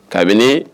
Kabini